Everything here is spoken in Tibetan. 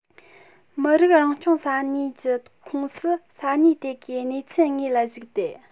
མི རིགས རང སྐྱོང ས གནས ཀྱི ཁོངས སུ ས གནས དེ གའི གནས ཚུལ དངོས ལ གཞིགས ཏེ